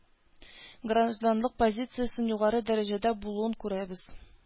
Гражданлык позициясенең югары дәрәҗәдә булуын күрәбез